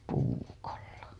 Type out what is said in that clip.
puukolla